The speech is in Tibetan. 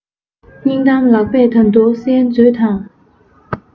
སྙིང གཏམ ལགས པས ད དུང གསན མཛོད དང